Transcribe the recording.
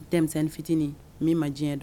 Denmisɛnnin fitinin min ma diɲɛ dɔn